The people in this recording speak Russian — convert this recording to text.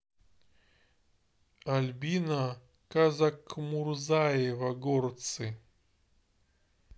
альбина казакмурзаева горцы